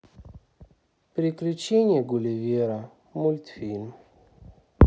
приключения гулливера мультфильм